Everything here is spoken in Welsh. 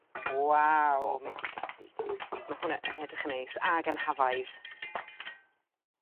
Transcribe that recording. Waw. O bendigedig. Ma' hwnne y' edrych yn neis ag yn hafaidd.